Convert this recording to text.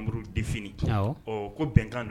Mamudu de fini ɔ ko bɛnkan don